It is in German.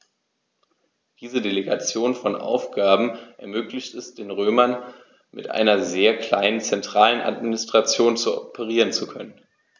Diese Delegation von Aufgaben ermöglichte es den Römern, mit einer sehr kleinen zentralen Administration operieren zu können.